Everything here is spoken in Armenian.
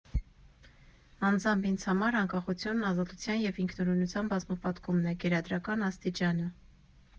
Անձամբ ինձ համար անկախությունն ազատության և ինքնուրույնության բազմապատկումն է, գերադրական աստիճանը։